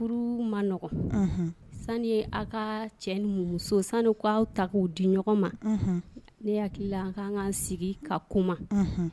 Furu ma sani ye aw ka cɛ ni sanu k'aw ta k' di ɲɔgɔn ma ne hakili an ka kan ka sigi ka kuma